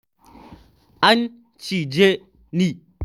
An cije ni!’